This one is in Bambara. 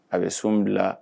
A bɛ so bila